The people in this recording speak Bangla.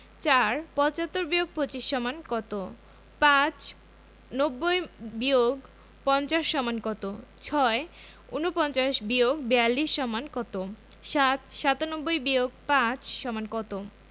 ৪ ৭৫-২৫ = কত ৫ ৯০-৫০ = কত ৬ ৪৯-৪২ = কত ৭ ৯৭-৫ = কত